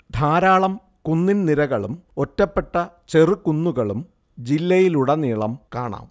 ധാരാളം കുന്നിൻ നിരകളും ഒറ്റപ്പെട്ട ചെറുകുന്നുകളും ജില്ലയിലുടനീളം കാണാം